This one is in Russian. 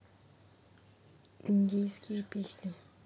индейские песни